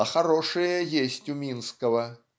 А хорошее есть у Минского.